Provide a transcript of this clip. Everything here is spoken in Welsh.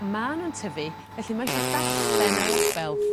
ma' nw'n tyfu felly mae isio darllen y label